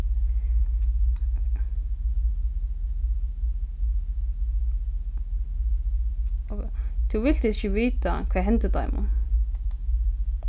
tú vilt ikki vita hvat hendi teimum